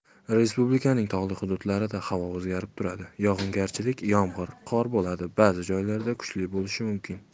respublikaning tog'li hududlarida havo o'zgarib turadi yog'ingarchilik yomg'ir qor bo'ladi ba'zi joylarda kuchli bo'lishi mumkin